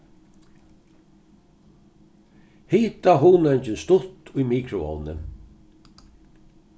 hita hunangin stutt í mikroovni